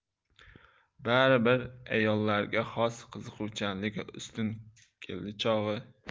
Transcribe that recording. bari bir ayollarga xos qiziquvchanligi ustun keldi chog'i